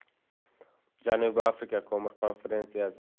janubiy afrika ko'mir konferensiyasi